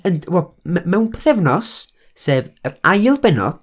Ynd- wel, mew- mewn pythefnos, sef yr ail bennod...